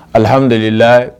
Alhamdulila